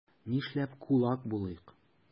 Нишләп кулак булыйк?